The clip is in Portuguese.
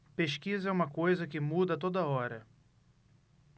pesquisa é uma coisa que muda a toda hora